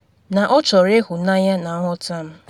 Na ọ chọrọ ịhụnanya na nghọta m.